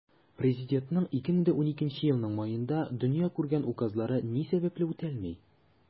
Президентның 2012 елның маенда дөнья күргән указлары ни сәбәпле үтәлми?